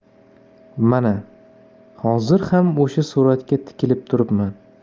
mana hozir ham o'sha suratga tikilib turibman